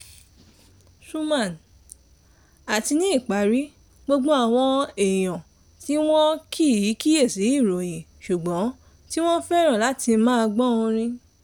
Xuman: Àti ní ìparí, gbogbo àwọn èèyàn tí wọ́n kìí kíyèsí ìròyìn ṣùgbọ́n tí wọ́n fẹ́ràn láti máa gbọ́ orin.